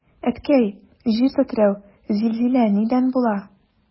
Әткәй, җир тетрәү, зилзилә нидән була?